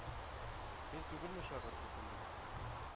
Мин түгелме шигырь утым белән